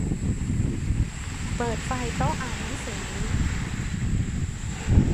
เปิดไฟโต๊ะอ่านหนังสือ